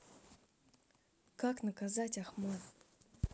как наказать ахмат